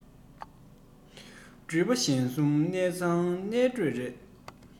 འགྲུལ པ ཞག གསུམ གནས ཚང གནས མགྲོན རེད